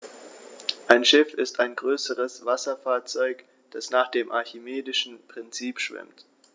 Ein Schiff ist ein größeres Wasserfahrzeug, das nach dem archimedischen Prinzip schwimmt.